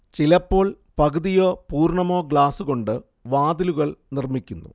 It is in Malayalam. ചിലപ്പോൾ പകുതിയോ പൂർണ്ണമോ ഗ്ലാസ് കൊണ്ട് വാതിലുകൽ നിർമ്മിക്കുന്നു